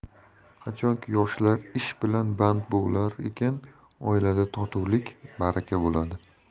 qachonki yoshlar ish bilan band bo'lar ekan oilada totuvlik baraka bo'ladi